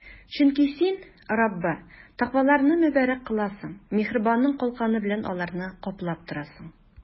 Чөнки Син, Раббы, тәкъваларны мөбарәк кыласың, миһербаның калканы белән аларны каплап торасың.